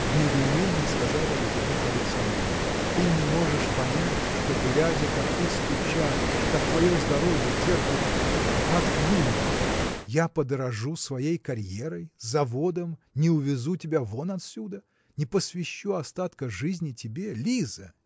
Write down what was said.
– в недоумении сказала Лизавета Александровна. – Ты не можешь понять что глядя как ты скучаешь как твое здоровье терпит. от климата я подорожу своей карьерой заводом не увезу тебя вон отсюда? не посвящу остатка жизни тебе?. Лиза!